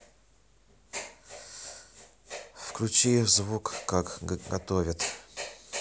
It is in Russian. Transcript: включи звук как готовят